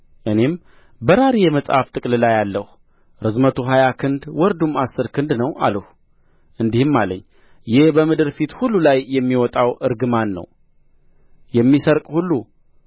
እኔም በራሪ የመጽሐፍ ጥቅልል አያለሁ ርዝመቱ ሀያ ክንድ ወርዱም አሥር ክንድ ነው አልሁ እንዲህም አለኝ ይህ በምድር ፊት ሁሉ ላይ የሚወጣው እርግማን ነው የሚሰርቅ ሁሉ